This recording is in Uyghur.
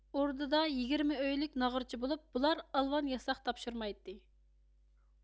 ئوردىدا يىگىرمە ئۆيلۈك ناغرىچى بولۇپ بۇلار ئالۋان ياساق تاپشۇرمايتتى